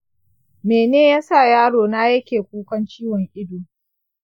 mene yasa yaro na yake kukan ciwon ido?